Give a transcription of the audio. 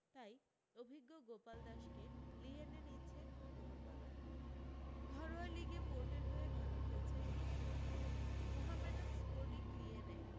তাই অভিজ্ঞ গোপাল দাসকে লিয়েনে নিচ্ছে মোহন বাগান ঘরোয়া লিগে পোর্টের হয়ে ভালো খেলেছেন তিনি মোহামেডান স্পোর্টিং লিয়েনে